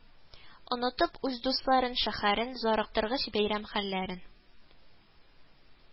Онытып үз дусларын, шәһәрен, Зарыктыргыч бәйрәм хәлләрен